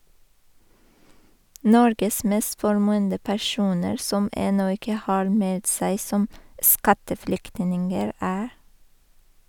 Norges mest formuende personer, som ennå ikke har meldt seg som skatteflyktninger, er...